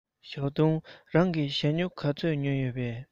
ཞའོ ཏུང རང གིས ཞྭ སྨྱུག ག ཚོད ཉོས ཡོད པས